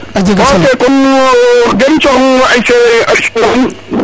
wa ok ok konn genim coxong ASC